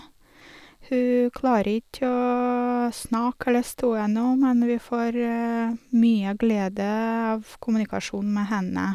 Hun klarer itj å snakke eller stå ennå, men vi får mye glede av kommunikasjonen med henne.